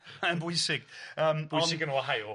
Mae yn bwysig yym ond... Bwysig yn Ohio.